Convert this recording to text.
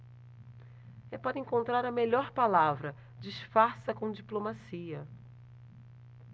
é para encontrar a melhor palavra disfarça com diplomacia